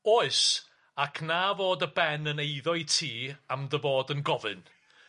Oes, ac na fod y ben yn eiddo i ti am dy fod yn gofyn,